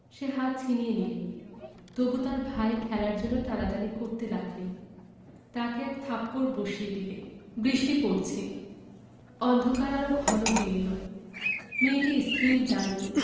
সে হাত ছিনিয়ে নিলে তবু তার ভাই খেলার জন্যে টানাটানি করতে লাগলে তাকে এক থাপ্পড় বসিয়ে দিলে বৃষ্টি পরছে অন্ধকার আরো ঘন হয়ে এল মেয়েটি স্থির দাঁড়িয়ে